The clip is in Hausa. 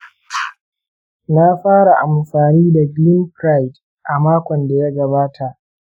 na fara amfani da glimepiride a makon da ya gabata.